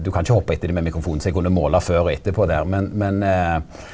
du kan ikkje hoppe etter dei med mikrofonen så eg kunne måla før og etterpå der men men .